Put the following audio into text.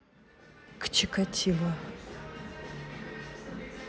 к чикатило